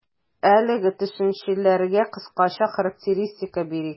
Әлеге төшенчәләргә кыскача характеристика бирик.